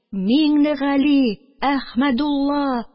Миңнегали, Әхмәдулла!